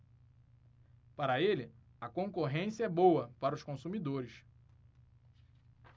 para ele a concorrência é boa para os consumidores